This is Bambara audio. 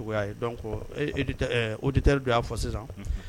O y'a ye donc e éditeu ɛɛ auditeur dɔ y'a fɔ sisan unhun